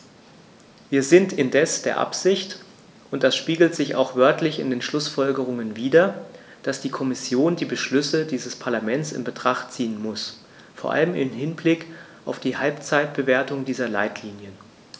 Wir sind indes der Ansicht und das spiegelt sich auch wörtlich in den Schlussfolgerungen wider, dass die Kommission die Beschlüsse dieses Parlaments in Betracht ziehen muss, vor allem im Hinblick auf die Halbzeitbewertung dieser Leitlinien.